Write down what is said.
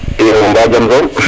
iyo mba jam som